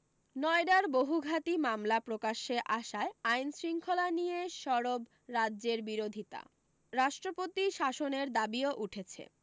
নয়ডার বহুঘাতী মামলা প্রকাশ্যে আসায় আইনশৃঙ্খলা নিয়ে সরব রাজ্যের বিরোধীরা রাষ্ট্রপতি শাসনের দাবিও উঠেছে